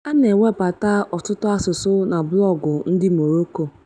A na-ewebata ọtụtụ asụsụ na blọọgụ ndị Morocco.